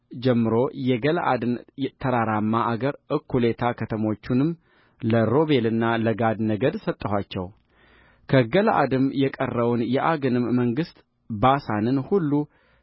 ጀምሮ የገለዓድን ተራራማ አገር እኩሌታ ከተሞቹንም ለሮቤልና ለጋድ ነገድ ሰጠኋቸውከገለዓድም የቀረውን የዐግንም መንግሥት ባሳንን ሁሉ